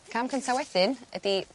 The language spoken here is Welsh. cam cynta wedyn ydi